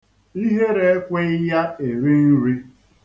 Ihere ekweghị ya eri nri.